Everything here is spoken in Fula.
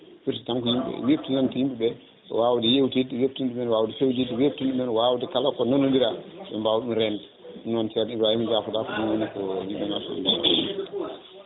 firti tan ko yimɓe webtinande yimɓeɓe wawde yewtidde webtinde wawde fewjidde webtinde ɗumen wawde kala ko nanodira ɓe mbawa ɗum rende ɗum noon ceerno Ibrahima jafoɗa ko ɗum woni ko joguinomi